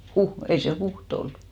- ei se Huhta ollut